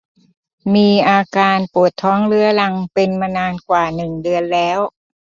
มีอาการปวดท้องเรื้อรังเป็นมานานกว่าหนึ่งเดือนแล้ว